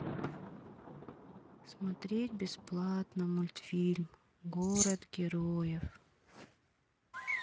смотреть бесплатно мультфильм город героев